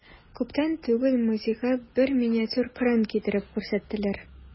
Күптән түгел музейга бер миниатюр Коръән китереп күрсәттеләр.